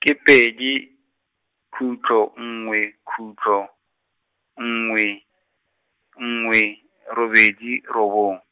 ke pedi, khutlo nngwe khutlo, nngwe, nngwe, robedi robong.